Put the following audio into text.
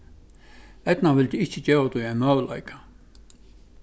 eydna vildi ikki geva tí ein møguleika